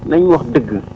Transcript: nañ wax dëgg